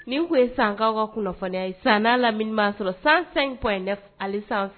Nin tun ye Sankaw ka kunnafoniya ye San n'a lamini b'an sɔrɔ 105.9 ale sanfɛ